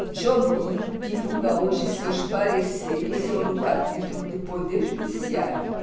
jobim divulga hoje seus pareceres sobre o capítulo do poder judiciário